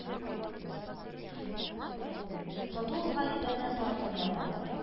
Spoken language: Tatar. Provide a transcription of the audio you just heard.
Укыды ул галибанә бар дөньяга.